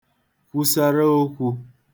kwusara okwū